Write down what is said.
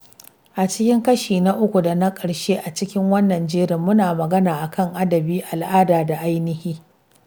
A cikin kashi na uku da na ƙarshe a cikin wannan jerin, muna magana akan adabi, al'ada da ainahi.